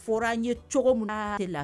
Fɔra an ye cogo min de la